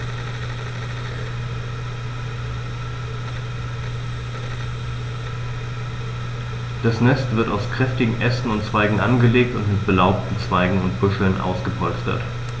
Das Nest wird aus kräftigen Ästen und Zweigen angelegt und mit belaubten Zweigen und Büscheln ausgepolstert.